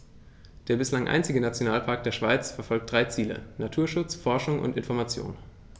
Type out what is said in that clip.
Der bislang einzige Nationalpark der Schweiz verfolgt drei Ziele: Naturschutz, Forschung und Information.